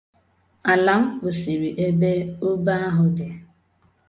Ala m kwụsịrị ebe obe ahụ dị.